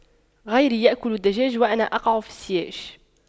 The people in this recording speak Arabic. غيري يأكل الدجاج وأنا أقع في السياج